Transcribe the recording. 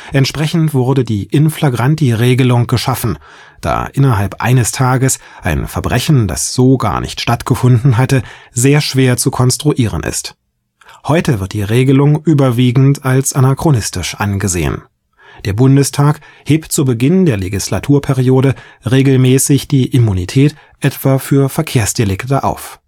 Entsprechend wurde die In-flagranti-Regelung geschaffen, da innerhalb eines Tages ein Verbrechen, das so gar nicht stattgefunden hatte, sehr schwer zu konstruieren ist. Heute wird die Regelung überwiegend als anachronistisch angesehen. Der Bundestag hebt zu Beginn der Legislaturperiode regelmäßig die Immunität etwa für Verkehrsdelikte auf